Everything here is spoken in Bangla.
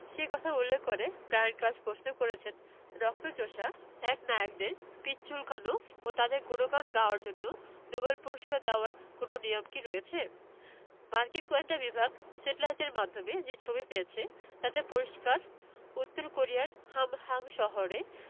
সে কথা উল্লেখ করে ব্রায়ান ক্লাস প্রশ্ন করেছেন রক্তচোষা একনায়কদের পিঠ চুলকানো ও তাঁদের গুণগান গাওয়ার জন্য নোবেল পুরস্কার দেওয়ার কোনো নিয়ম কি রয়েছে মার্কিন গোয়েন্দা বিভাগ স্যাটেলাইটের মাধ্যমে যে ছবি পেয়েছে তাতে পরিষ্কার উত্তর কোরিয়ার হামহাং শহরে